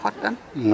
Soo kaaga ma xottan?